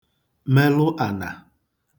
melụ ànà